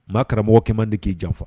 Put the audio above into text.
Maa karamɔgɔkɛ man di k'i janfa